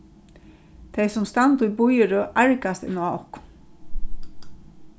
tey sum standa í bíðirøð argast inn á okkum